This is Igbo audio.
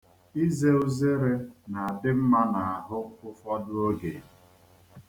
Ize uzere na-adị mma n'ahụ ụfọdụ oge.